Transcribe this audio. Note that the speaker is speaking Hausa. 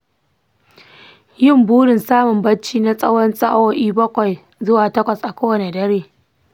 yi burin samun barci na tsawon sa'o'i bakwai zuwa takwas a kowane dare.